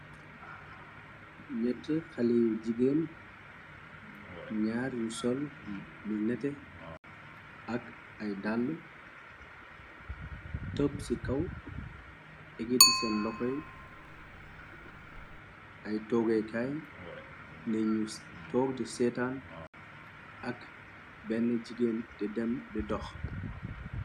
Nett xale yu jigéen ñaar yu sol lu nete ak ay dàll tëb ci kaw egiti seen loxoy ay toggekaay nenu toog di seétaan ak benn jigéen di dem di dox.